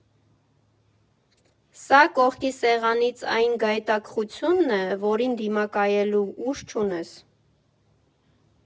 Սա կողքի սեղանից այն գայթակղությունն է, որին դիմակայելու ուժ չունես։